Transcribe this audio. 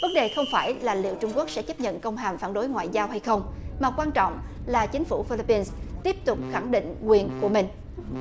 vấn đề không phải là liệu trung quốc sẽ chấp nhận công hàm phản đối ngoại giao hay không mà quan trọng là chính phủ phi líp pin tiếp tục khẳng định quyền của mình